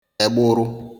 ègbụ̀rụ̀